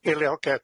Eilio, oce.